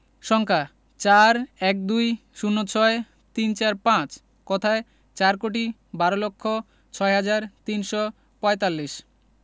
সংখ্যাঃ ৪ ১২ ০৬ ৩৪৫ কথায়ঃ চার কোটি বার লক্ষ ছয় হাজার তিনশো পঁয়তাল্লিশ